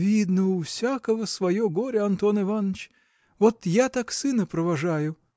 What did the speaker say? – Видно, у всякого свое горе, Антон Иваныч; вот я так сына провожаю.